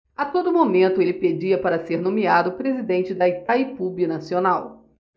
a todo momento ele pedia para ser nomeado presidente de itaipu binacional